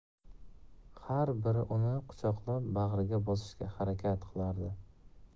har biri uni quchoqlab bag'riga bosishga harakat qilardi